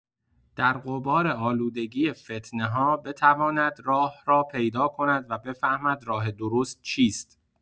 در غبارآلودگی فتنه‌ها بتواند راه را پیدا کند و بفهمد راه درست چیست؛